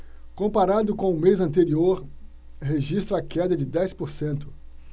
comparado com o mês anterior registra queda de dez por cento